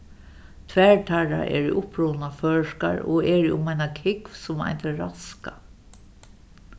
tvær teirra eru upprunaføroyskar og eru um eina kúgv sum eitur raska